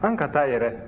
an ka taa yɛrɛ